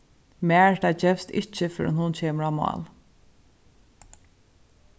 marita gevst ikki fyrr enn hon kemur á mál